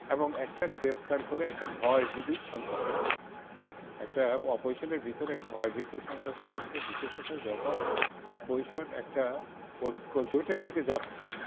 এবং একটা গ্রেফতার করে একটা ভয় ভীতির সঞ্চার করা হচ্ছে একটা অপজিশনের ভিতর একটা ভয় ভীতি সঞ্চার করা হচ্ছে বিশেষত যখন অপোজিশন একটা ঐক্য জোটের দিকে যাচ্ছে